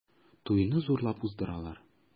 Туйны зурлап уздырдылар.